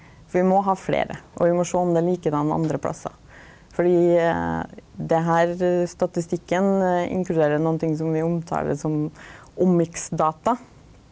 for vi må ha fleire, og vi må sjå om det er likeins andre plassar fordi det her statistikken inkluderer nokon ting som vi omtaler som omicsdata.